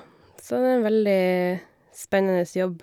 Så det er en veldig spennende jobb.